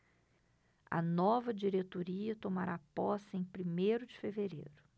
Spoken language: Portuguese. a nova diretoria tomará posse em primeiro de fevereiro